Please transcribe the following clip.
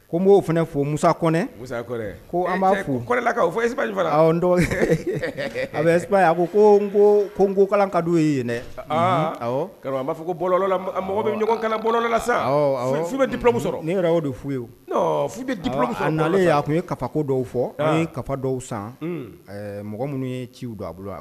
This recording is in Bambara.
Ko n b'o fana fɔ musa kɔnɛ ko b'alakaw fɔ e sabali a a ko ko ko n ko ka ye yen karamɔgɔ b'a fɔ mɔgɔ bɛ ɲɔgɔnlɔla sa bɛ dimuso sɔrɔ ni yɛrɛ'o de fu ye bɛ nalen a tun ye kako dɔw fɔ kafa dɔw san mɔgɔ minnu ye ci don a bolo